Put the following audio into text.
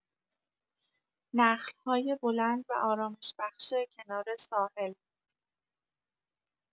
نخل‌های بلند و آرامش‌بخش کنار ساحل